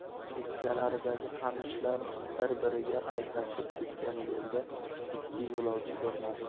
chekkalaridagi qamishlar bir biriga ayqashib ketgan yo'lda ikki yo'lovchi ko'rinadi